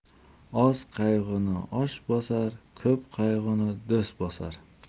oz qayg'uni osh bosar ko'p qayg'uni do'st bosar